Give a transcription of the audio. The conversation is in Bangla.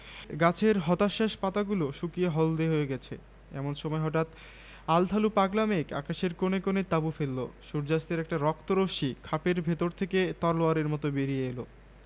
তিনি মসজিদের জন্যে মনের মতো করে তারায় তারায় সাজিয়ে তুললেন মসজিদ দেখতে দেখতে মসজিদের ভেতরে বাইরে ফুটে উঠলো চোখ জুড়োনো শোভা